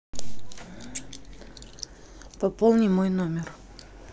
пополни мой номер